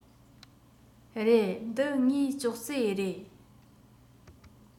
རེད འདི ངའི ཅོག ཙེ རེད